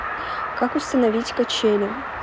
как установить качели